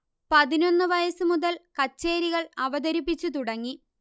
പതിനൊന്ന് വയസ്സു മുതൽ കച്ചേരികൾ അവതരിപ്പിച്ചു തുടങ്ങി